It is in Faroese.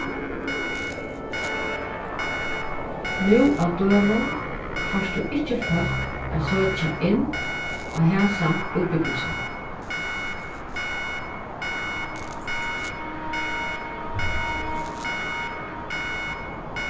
nú á døgum fært tú ikki fólk at søkja inn á hasa útbúgvingina